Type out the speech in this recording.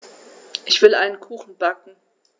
Ich will einen Kuchen backen.